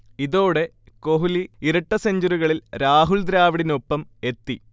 ഇതോടെ കോഹ്ലി ഇരട്ട സെഞ്ചുറികളിൽ രാഹുൽ ദ്രാവിഡിനൊപ്പം എത്തി